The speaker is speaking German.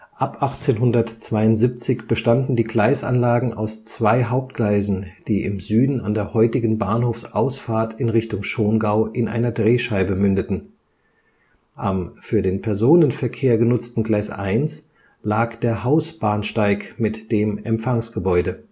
1872 bestanden die Gleisanlagen aus zwei Hauptgleisen, die im Süden an der heutigen Bahnhofsausfahrt in Richtung Schongau in einer Drehscheibe mündeten. Am für den Personenverkehr genutzten Gleis 1 lag der Hausbahnsteig mit dem Empfangsgebäude